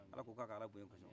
ala k'o kɛ a ka alaya bonya kama